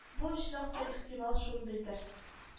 Бу очрак та ихтимал шундыйдыр